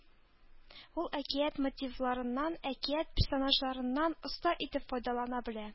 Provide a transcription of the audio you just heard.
Ул әкият мотивларыннан, әкият персонажларыннан оста итеп файдалана белә